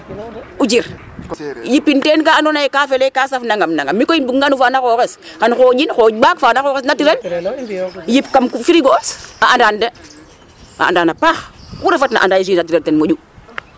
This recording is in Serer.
o jir yipin ten ka andoona yee ka fel ee ka saf nangam nangam mi' koy bugangan fi'an a xooxes xan xooƴin xooƴ ɓaak fa ƴooxit naturel yip kam frigo'es a andan de, a andaan a paax xu refna a anda yee jus naturel o moƴu .